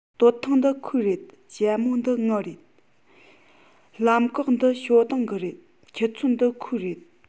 སྟོད ཐུང འདི ཁོའི རེད ཞྭ མོ འདི ངའི རེད ལྷམ གོག འདི ཞའོ ཏིང གི རེད ཆུ ཚོད འདི ཁོའི རེད